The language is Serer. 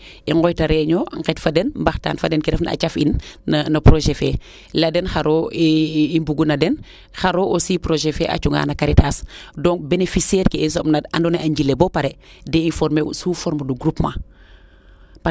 nombre beneficiaire ke wey weeke i ŋooyta reunion nget fa den mbaxtaan fa den ke refna a caf in no projet fee leya den xaro i mbugu na den xaro aussi projet fee a cunga no Karitas donc Beneficiaire ke a soɓna ande a njile baa pare de i former u sous forme de groupement